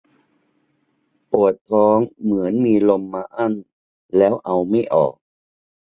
ปวดท้องเหมือนมีลมมาอั้นแล้วเอาไม่ออก